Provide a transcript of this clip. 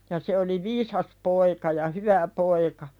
ja se oli viisas poika ja hyvä poika